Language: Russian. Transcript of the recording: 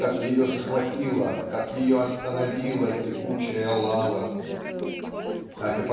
как ее захватила как ее остановила текучая лава. Так